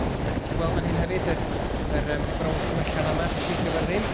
Felly, dach chi'n gallu gweld fan hyn hefyd, yr yr yym brown tywyllaf yma 'di Sir Gyfyrddin.